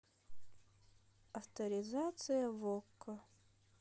авторизация в окко